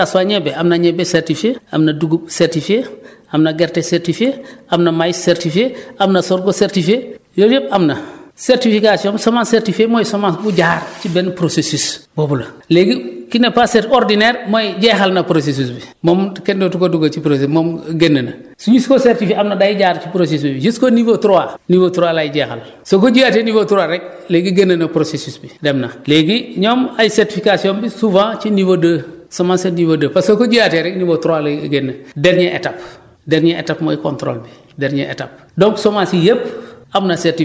jiw bu nekk ñu bu que ça soit ñebe am na ñebe certifié am na dugub certifié am na gerte certifié am na maïs certifié am na sorgho certifié yooyu yëpp am na certification semence certifiée mooy semence bu jaar ci benn processus boobu la léegi qui n' est pas cet ordinaire mooy jeexal na processus bi moom kenn dootu ko dugal ci projet moom génn na su ñu ko certifié am na day jaar ci processus bi jusqu' au niveau 3 niveau 3 lay jeexal soo ko jiyaatee niveau 3 léegi génn na processus bi dem na léegi ñoom ay certification bi souvent ci niveau 2 semence certifiée iveau é parce que soo ko jiyaatee rek niveau 3 lay génn dernier étape dernier étape mooy contrôle bi dernier étape